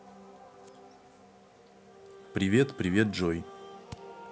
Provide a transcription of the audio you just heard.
привет привет джой